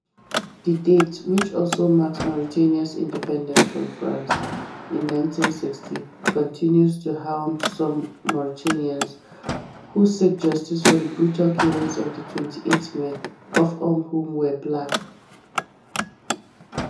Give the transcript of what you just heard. The date, which also marks Mauritania's independence from France in 1960, continues to haunt some Mauritanians who seek justice for the brutal killings of these 28 men, all of whom were black.